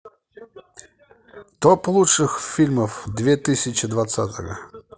топ лучших фильмов две тысячи двадцатого